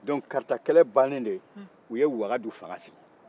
dɔnku kaarita kɛlɛ bannen de u ye wagadu fanga sigi